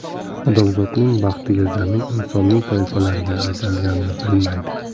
odamzodning baxtiga zamin insonning toifalarga ajralganini bilmaydi